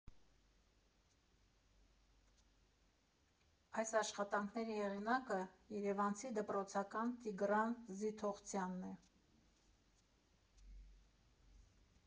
Այս աշխատանքների հեղինակը երևանցի դպրոցական Տիգրան Ձիթողցյանն է։